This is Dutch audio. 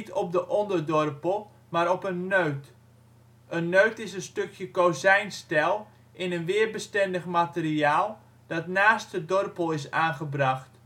op de onderdorpel, maar op een neut. Een neut is een stukje kozijnstijl in een weersbestendig materiaal dat naast de dorpel is aangebracht